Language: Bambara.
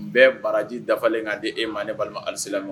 N bɛɛ baraji dafalen k' di e ma ni balima alisala